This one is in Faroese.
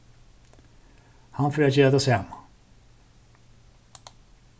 hann fer at gera tað sama